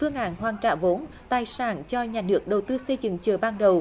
phương án hoàn trả vốn tài sản cho nhà nước đầu tư xây dựng trường ban đầu